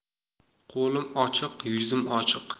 qo'lim ochiq yuzim ochiq